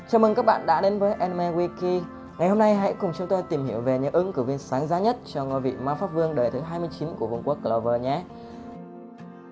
chào mừng các bạn đã đến với anime wiki ngày hôm nay hãy cùng chúng tôi tìm hiểu về những ứng cử viên sáng giá nhất cho ngôi vị mpv đời thứ của vương quốc clover nhé